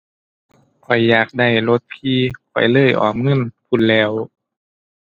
ข้อยอยากได้รถขี่ ข้อยเลยออมเงิน พู้นแหล้ว